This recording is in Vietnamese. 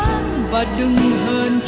và đừng